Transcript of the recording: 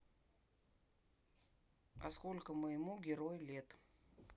а сколько моему герой лет